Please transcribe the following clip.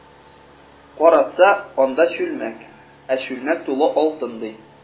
Караса, анда— чүлмәк, ә чүлмәк тулы алтын, ди.